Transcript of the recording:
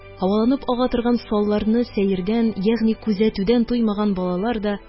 Һаваланып ага торган салларны сәердән, ягъни күзәтүдән туймаган балалар да